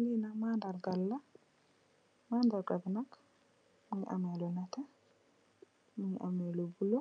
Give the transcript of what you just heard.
Nee nak madargel la madarga be nak muge ameh lu neteh muge ameh lu bulo